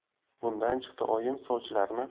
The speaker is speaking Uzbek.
bundan chiqdi oyim sovchilarni